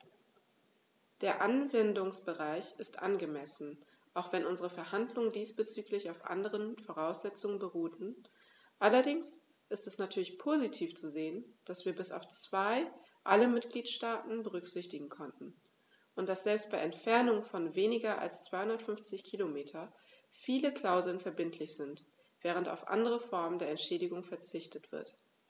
Der Anwendungsbereich ist angemessen, auch wenn unsere Verhandlungen diesbezüglich auf anderen Voraussetzungen beruhten, allerdings ist es natürlich positiv zu sehen, dass wir bis auf zwei alle Mitgliedstaaten berücksichtigen konnten, und dass selbst bei Entfernungen von weniger als 250 km viele Klauseln verbindlich sind, während auf andere Formen der Entschädigung verzichtet wird.